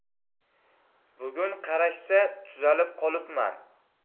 bugun qarashsa tuzalib qolibman